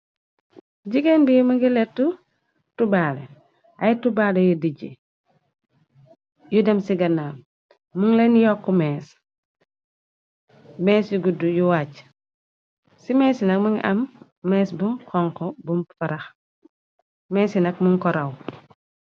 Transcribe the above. jigéen bi më nga letu tubaale ay tubaale yi dijji yu dem ci gannaam mun leen yokk mees mees yi gudd yu wàcc ci meesi nak mënga am mees bu xonko bufrxmeesi nak mun koraw.